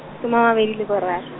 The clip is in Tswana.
soma a mabedi le boraro.